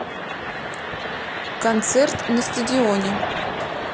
концерт на стадионе